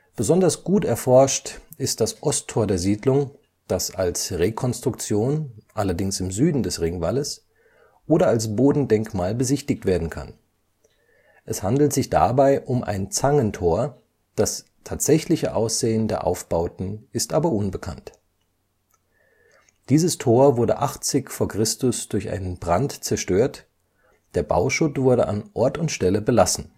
Besonders gut erforscht ist das Osttor der Siedlung, das als Rekonstruktion (allerdings im Süden des Ringwalles) oder als Bodendenkmal besichtigt werden kann. Es handelt sich dabei um ein Zangentor, das tatsächliche Aussehen der Aufbauten ist aber unbekannt. Dieses Tor wurde 80 v. Chr. durch einen Brand zerstört, der Bauschutt wurde an Ort und Stelle belassen